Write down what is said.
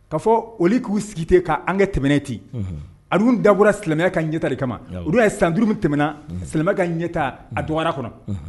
Ka fɔ olu k'u sigi tɛ k'an kɛ tɛmɛnɛnɛ ten a dun dabɔra silamɛya ka ɲɛtali kama olu don ye san duuruuru min tɛmɛna silamɛ ka ɲɛta a dɔnra kɔnɔ